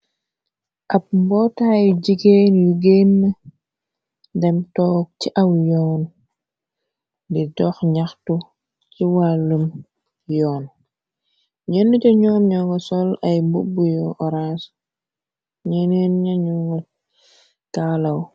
Ab mbootaayu jigéen yu génn dem toog ci aw yoon, di dox ñaxtu ci wàllum yoon, ñënn sa ñoom ño nga sol ay mbubb yu oraans, ñeneen ñañu nga kaalaw.